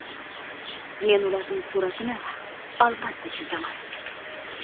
men ularning suratini albatta chizaman